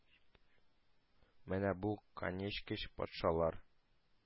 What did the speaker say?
Менә бу канечкеч патшалар,